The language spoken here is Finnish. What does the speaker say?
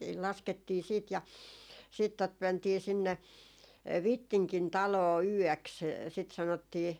laskettiin sitten ja sitten tuota mentiin sinne Vittingin taloon yöksi sitä sanottiin